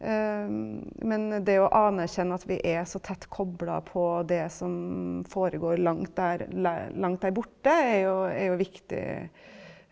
men det å anerkjenne at vi er så tett kobla på det som foregår langt der langt der borte er jo er jo viktig.